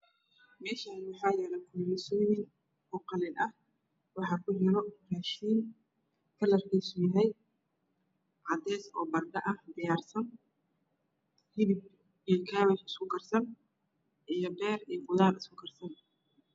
Meeshan waxaa yaalo kulay lisooyin oo qalin ah waxaa kujiro mishiinka kalarkiisu yahay cadays oo baradho ah diyaaarsan hilib iyo kaabaj isku karsan iyo beer iyo khudaar isku karsan